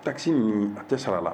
A tasi nin a tɛ sara a la